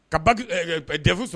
Ka de sɔrɔ